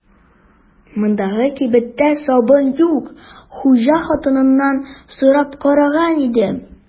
Мондагы кибеттә сабын юк, хуҗа хатыннан сорап караган идем.